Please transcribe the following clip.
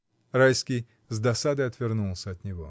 Райский с досадой отвернулся от него.